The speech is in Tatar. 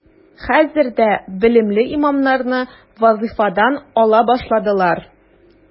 Хәзер дә белемле имамнарны вазифадан ала башладылар.